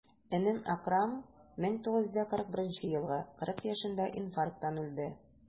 Энем Әкрам, 1941 елгы, 40 яшендә инфаркттан үлде.